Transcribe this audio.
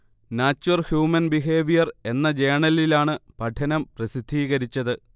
'nature human behaviour' എന്ന ജേണലിലാണ് പഠനം പ്രസിദ്ധീകരിച്ചത്